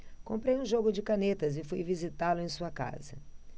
comprei um jogo de canetas e fui visitá-lo em sua casa